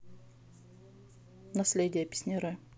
наследие песняры